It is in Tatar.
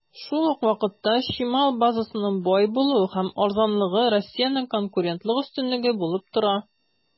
Шул ук вакытта, чимал базасының бай булуы һәм арзанлыгы Россиянең конкурентлык өстенлеге булып тора.